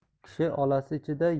kishi olasi ichida